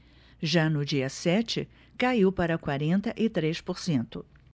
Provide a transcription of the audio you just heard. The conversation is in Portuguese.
já no dia sete caiu para quarenta e três por cento